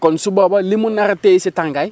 kon su boobaa li mu nar a téye si tàngaay